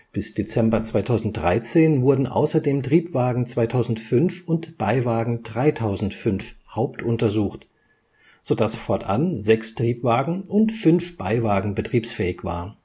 Bis Dezember 2013 wurden außerdem Triebwagen 2005 und Beiwagen 3005 hauptuntersucht, sodass fortan sechs Triebwagen und fünf Beiwagen betriebsfähig waren